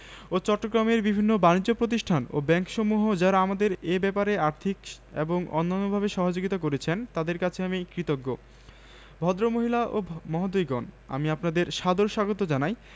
০৭ চিঠি তারিখ ৩-৮-৮৪ ঢাকা ক্লিন্ট চাচা বাংলা নববর্ষের সুভেচ্ছা জানাবেন আশা করি ভালো আছেন